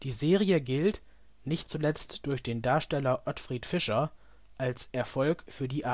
Serie gilt, nicht zuletzt durch den Darsteller Ottfried Fischer, als Erfolg für die